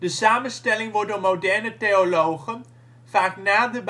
samenstelling wordt door moderne theologen vaak na de